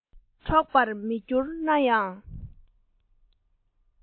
འཕྲོག པར མི འགྱུར ནའང